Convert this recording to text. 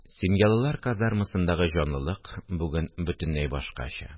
Семьялылар казармасындагы җанлылык бүген бөтенләй башкача